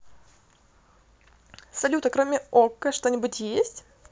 салют я кроме okko что нибудь есть